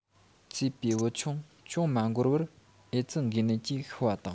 བཙས པའི བུ ཆུང ཅུང མ འགོར བར ཨེ ཙི འགོས ནད ཀྱིས ཤི བ དང